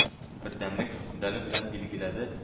– “бердәмлек” медале белән билгеләде